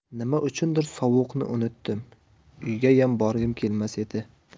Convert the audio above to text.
nima uchundir sovuqni unutdim uygayam borgim kelmas edi